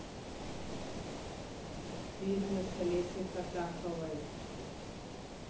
фильмы с олесей фатаховой